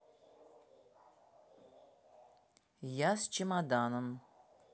я с чемоданом